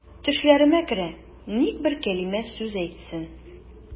Төшләремә керә, ник бер кәлимә сүз әйтсен.